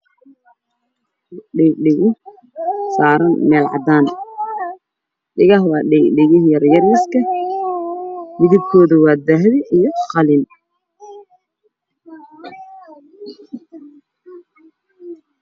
Dhago dhago saaran meel cadaan ah dhagaha waa dhagaha yar yariiska midabkoodu waa dahabi iyo qalin